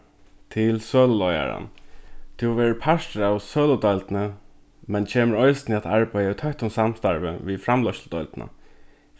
til søluleiðaran tú verður partur av søludeildini men kemur eisini at arbeiða í tøttum samstarvi við framleiðsludeildina